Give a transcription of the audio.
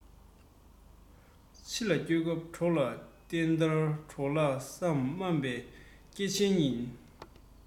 ཕྱི ལ སྐྱོད སྐབས གྲོགས ལ བརྟེན བསྟན འགྲོར ལྷག བསམ སྨན པའི སྐྱེ ཆེན ཡིན